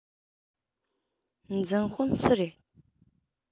འཛིན དཔོན སུ རེད